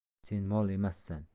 sen mol emassan